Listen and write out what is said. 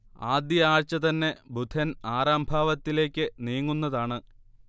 ആദ്യ ആഴ്ച തന്നെ ബുധൻ ആറാം ഭാവ്തിലെക്ക് നീങ്ങുന്നതാണ്